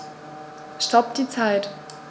Stopp die Zeit